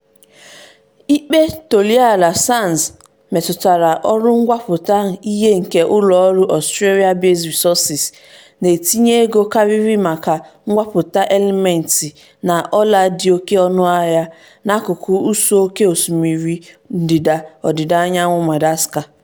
ZR: Ikpe Toliara Sands metụtara ọrụ ngwupụta ihe nke ụlọọrụ Australia Base Resources na-etinye ego karịrị maka ngwupụta ilmenite na ọla dị oke ọnụahịa (rutile, zircon na leucoxene) n'akụkụ ụsọ oké osimiri ndịda ọdịdaanyanwụ Madagascar.